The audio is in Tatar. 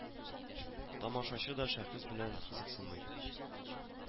Тамашачы да шәхес белән кызыксынмый